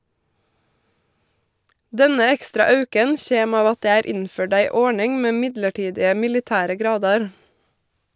Denne ekstra auken kjem av at det er innførd ei ordning med midlertidige militære gradar.